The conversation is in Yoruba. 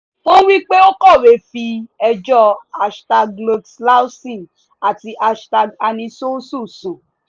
Wọ́n wí pé ó kọ̀wé fi ẹjọ́ #LoicLawson àti #AnaniSossou sùn.